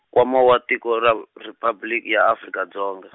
Nkwama wa Tiko ra w-, Riphabliki ya Afrika Dzonga.